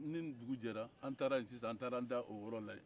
nin dugu jɛra an taara yen sisan n taara d'o yɔrɔ la yen